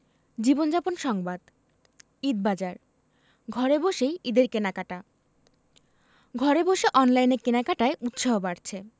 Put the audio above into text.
জীবনযাপন সংবাদ ঈদবাজার ঘরে বসেই ঈদের কেনাকাটা ঘরে বসে অনলাইনে কেনাকাটায় উৎসাহ বাড়ছে